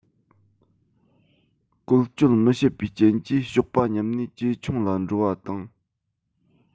བཀོལ སྤྱོད མི བྱེད པའི རྐྱེན གྱིས གཤོག པ ཉམས ནས ཇེ ཆུང ལ འགྲོ བ དང